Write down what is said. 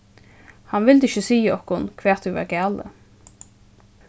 hann vildi ikki siga okkum hvat ið var galið